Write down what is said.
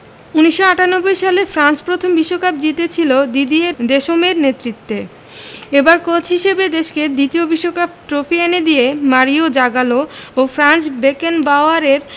১৯৯৮ সালে ফ্রান্স প্রথম বিশ্বকাপ জিতেছিল দিদিয়ের দেশমের নেতৃত্বে এবার কোচ হিসেবে দেশকে দ্বিতীয় বিশ্বকাপ ট্রফি এনে দিয়ে মারিও জাগালো ও ফ্রাঞ্জ বেকেনবাওয়ারের